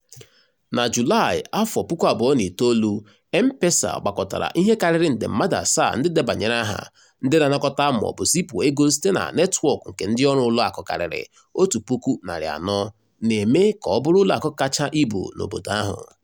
Na Julaị 2009 M-Pesa gbakọtara ihe karịrị nde mmadụ asaa ndị debanyere aha, ndị na-anakọta maọbụ zipụ ego site na netwọk nke ndịọrụ ụlọakụ karịrị 1400, na-eme ka ọ bụrụ ụlọakụ kacha ibu n'obodo ahụ.